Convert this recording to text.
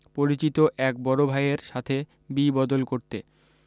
পরিচিত এক বড় ভাইয়ের সাথে বি বদল করতে